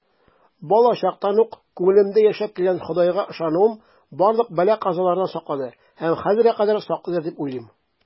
Балачактан ук күңелемдә яшәп килгән Ходайга ышануым барлык бәла-казалардан саклады һәм хәзергә кадәр саклыйдыр дип уйлыйм.